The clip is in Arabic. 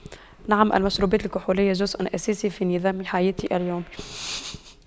نعم المشروبات الكحولية جزء أساسي في نظام حياتي اليومي